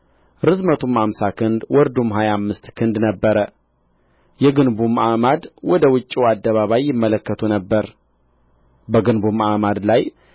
ርዝመቱም አምሳ ክንድ ወርዱም ሀያ አምስት ክንድ ነበረ የግንቡም አዕማድ ወደ ውጭው አደባባይ ይመለከቱ ነበር በግንቡም አዕማድ ላይ